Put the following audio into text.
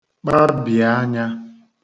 kpabì anyā